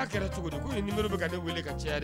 N'a cogo ko ye nin nkolon don ka ne weele ka caya dɛ